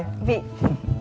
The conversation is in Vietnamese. vị